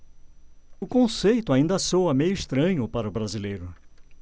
o conceito ainda soa meio estranho para o brasileiro